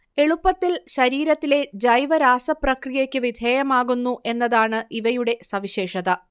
എളുപ്പത്തിൽ ശരീരത്തിലെ ജൈവരാസപ്രക്രിയക്ക് വിധേയമാകുന്നു എന്നതാണ് ഇവയുടെ സവിശേഷത